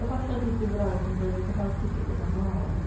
Efallai bydd dy frawd yn dod i dy helpu di gyda'r wal.